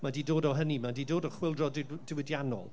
ma' 'di dod o hynny. Ma' 'di dod o chwyldro di- diwydiannol.